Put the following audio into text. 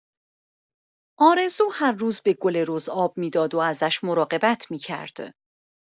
آرزو هر روز به گل رز آب می‌داد و ازش مراقبت می‌کرد.